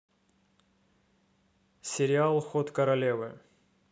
сериал ход королевы